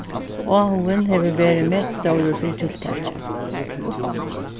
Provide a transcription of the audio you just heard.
áhugin hevur verið metstórur fyri tiltakið